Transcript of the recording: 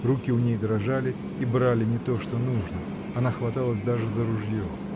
Руки у ней дрожали и брали не то, что нужно. Она хваталась даже за ружье.